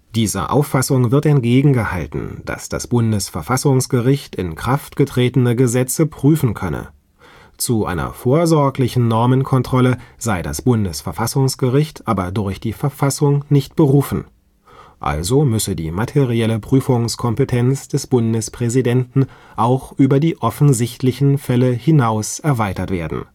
Dieser Auffassung wird entgegengehalten, dass das Bundesverfassungsgericht in Kraft getretene Gesetze prüfen könne. Zu einer vorsorglichen Normenkontrolle sei das Bundesverfassungsgericht aber durch die Verfassung nicht berufen. Also müsse die materielle Prüfungskompetenz des Bundespräsidenten auch über die offensichtlichen Fälle hinaus erweitert werden